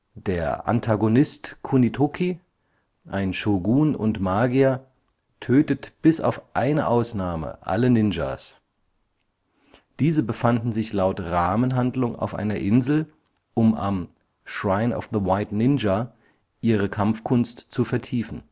Der Antagonist Kunitoki, ein Shōgun und Magier, tötet bis auf eine Ausnahme alle Ninjas. Diese befanden sich laut Rahmenhandlung auf einer Insel, um am „ Shrine of the White Ninja “ihre Kampfkunst zu vertiefen